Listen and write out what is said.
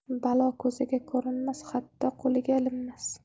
balo ko'zga ko'rinmas xato qo'lga ilinmas